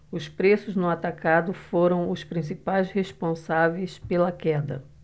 os preços no atacado foram os principais responsáveis pela queda